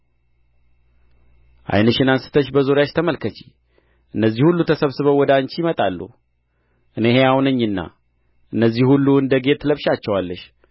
ዓይንሽን አንሥተሽ በዙሪያሽ ተመልከቺ እነዚህ ሁሉ ተሰብስበው ወደ አንቺ ይመጣሉ እኔ ሕያው ነኝና እነዚህን ሁሉ እንደ ጌጥ ትለብሻቸዋለሽ